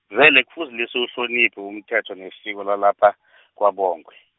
vele kufuzile siwuhloniphe umthetho nesiko lalapha , kwaBongwe.